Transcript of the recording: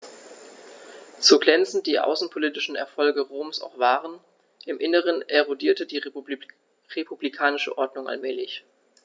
So glänzend die außenpolitischen Erfolge Roms auch waren: Im Inneren erodierte die republikanische Ordnung allmählich.